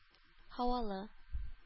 Һавалы